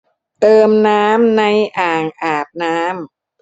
เติมน้ำในอ่างอาบน้ำ